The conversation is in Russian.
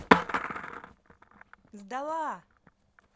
сдала